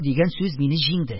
Дигән сүз мине җиңде.